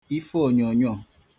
ifeonyònyo